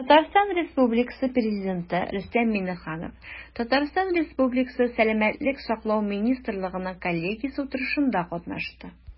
Татарстан Республикасы Президенты Рөстәм Миңнеханов ТР Сәламәтлек саклау министрлыгының коллегиясе утырышында катнашты.